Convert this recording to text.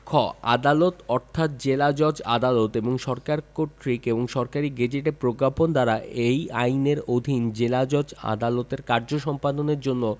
খ আদালত অর্থ জেলাজজ আদালত এবং সরকার কর্তৃক সরকারী গেজেটে প্রজ্ঞাপন দ্বারা এই আইনের অধীন জেলাজজ আদালতের কার্য সম্পাদনের জন্য